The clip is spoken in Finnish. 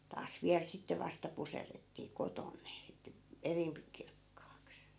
taas vielä sitten vasta puserrettiin kotona ne sitten erimpi kirkkaaksi